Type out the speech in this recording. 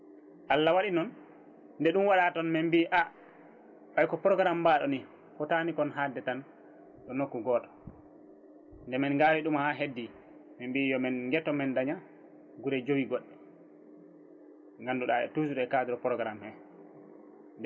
Allah waɗi noon nde ɗum waɗa toon min mbi a ɓay ko programme baɗoni footani koon hadde tan ɗo nokku goto nde min gawi ɗum ha heddi min mbo yomin gueto min daña guure joyyi goɗɗe ganduɗa toujours e cadre programme he